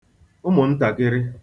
ụmụ̀ntàkịrị